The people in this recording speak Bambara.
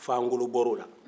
fangolo bɔra o la